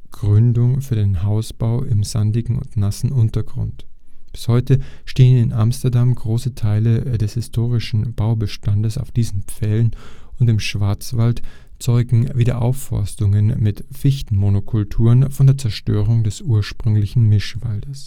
Pfahlgründung für den Hausbau im sandigen und nassen Untergrund. Bis heute stehen in Amsterdam große Teile des historischen Baubestandes auf diesen Pfählen und im Schwarzwald zeugen Wiederaufforstungen mit Fichtenmonokulturen von der Zerstörung des ursprünglichen Mischwaldes